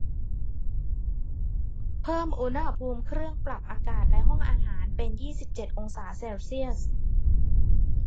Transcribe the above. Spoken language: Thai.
เพิ่มอุณหภูมิเครื่องปรับอากาศในห้องอาหารเป็นยี่สิบเจ็ดองศาเซลเซียส